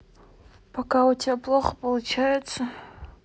пока у тебя плохо получается